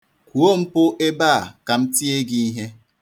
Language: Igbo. Kwuo mpụ ebe a ka m tie gị ihe.